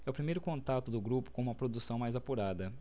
é o primeiro contato do grupo com uma produção mais apurada